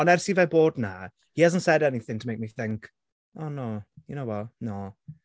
Ond ers i fe bod 'na, he hasn't said anything to make me think, "Oh no, you know what? No."